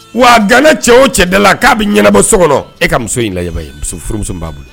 Wa gan ne cɛ o cɛda la k'a bɛ ɲɛnaɛnɛbɔ so kɔnɔ e ka muso in la ye muso furumuso b'a bolo